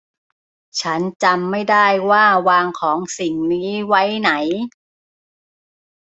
ฉันจำไม่ได้ว่าวางของสิ่งนี้ไว้ไหน